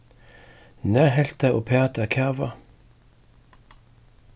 nær helt tað uppat at kava